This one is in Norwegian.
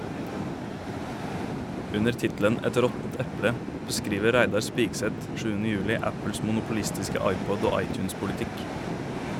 Under tittelen "Et råttent eple" beskriver Reidar Spigseth sjuende juli Apples monopolistiske iPod- og iTunes-politikk.